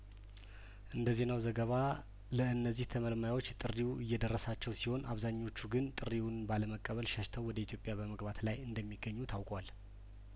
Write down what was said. እንደ ዜናው ዘገባ ለእነዚህ ተመልማዮች ጥሪው እየደረሳቸው ሲሆን አብዛኞቹ ግን ጥሪውን ባለመቀበል ሸሽተው ወደ ኢትዮጵያ በመግባት ላይ እንደሚገኙ ታውቋል